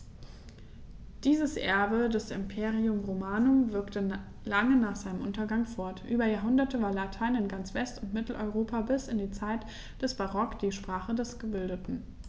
Dieses Erbe des Imperium Romanum wirkte lange nach seinem Untergang fort: Über Jahrhunderte war Latein in ganz West- und Mitteleuropa bis in die Zeit des Barock die Sprache der Gebildeten.